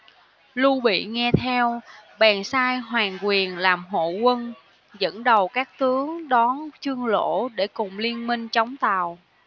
lưu bị nghe theo bèn sai hoàng quyền làm hộ quân dẫn đầu các tướng đón trương lỗ để cùng liên minh chống tào